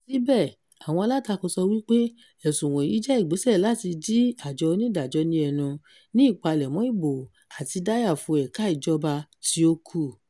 Síbẹ̀, àwọn alátakò sọ wípé ẹ̀sùn wọ̀nyí jẹ́ ìgbésẹ̀ láti di àjọ onídàájọ́ ní ẹnu ní ìpalẹ̀mọ́ ìbò, àti dáyàfo ẹ̀ka ìjọba tí ó kù.